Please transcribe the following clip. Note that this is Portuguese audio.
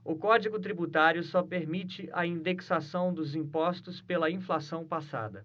o código tributário só permite a indexação dos impostos pela inflação passada